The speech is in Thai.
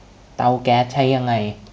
เตาแก๊สใช้ยังไง